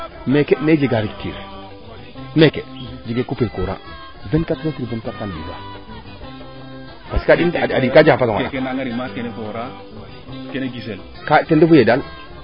meeke ne jegaa rupture meeke jege coupure courant 24 sur 24 kaa jegaa parce que a ɗing kaa jeg xa facon a ɗak keene naanga ripa kene foora kene gisel ten refu yee daal